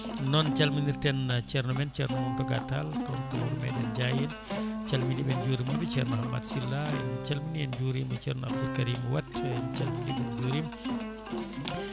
noon calminirten ceerno men ceerno ceerno Mountaga Tall toon to wuuro meɗen Ndiayel calminiɓe en jurimaɓe ceerno Hammat Sylla en calmini en juurima ceerno Abdou Karim Watt en calminimo en jurima